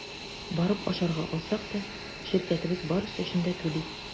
Барып ашарга алсак та – ширкәтебез барысы өчен дә түли.